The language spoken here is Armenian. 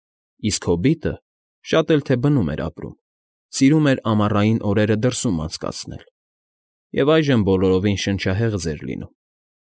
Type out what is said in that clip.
Իսկ հոբիտը, շատ էլ թե բնում էր ապրում, սիրում էր ամառային օրերը դրսում անցկացնել և այժմ բոլորովին շնչահեղձ էր լինում։